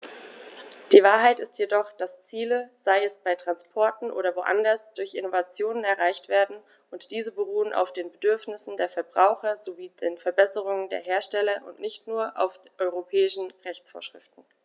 Die Wahrheit ist jedoch, dass Ziele, sei es bei Transportern oder woanders, durch Innovationen erreicht werden, und diese beruhen auf den Bedürfnissen der Verbraucher sowie den Verbesserungen der Hersteller und nicht nur auf europäischen Rechtsvorschriften.